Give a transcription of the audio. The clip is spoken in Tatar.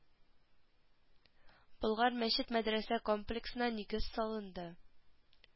Болгар мәчет-мәдрәсә комплексына нигез салынды